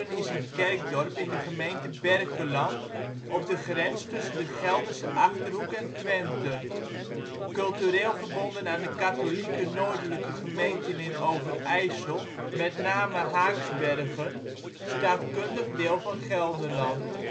is een kerkdorp in de gemeente Berkelland, op de grens tussen de Gelderse Achterhoek en Twente. Cultureel verbonden aan de katholieke noordelijke gemeenten in Overijssel, met name Haaksbergen, staatkundig deel van Gelderland